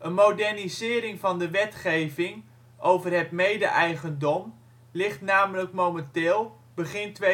modernisering van de wetgeving over de mede-eigendom ligt namelijk momenteel (begin